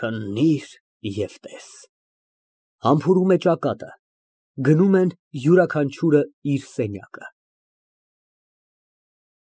Քննիր և տես։ (Համբուրում է ճակատը)։ (Գնում են յուրաքանչյուրը իր սենյակը)։